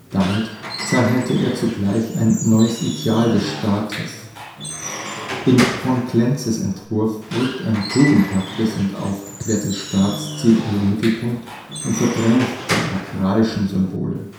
Damit zeichnete er zugleich ein neues Ideal des Staates. In v. Klenzes Entwurf rückt ein tugendhaftes und aufgeklärtes Staatsideal in den Mittelpunkt und verdrängt die agrarischen Symbole